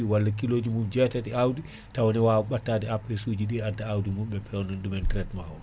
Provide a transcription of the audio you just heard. walla kilo ji mum jeetati awdi taawa ne waawa ɓattade APS uju ɗi adda awdi mum ɓe peewnana ɗum traitement o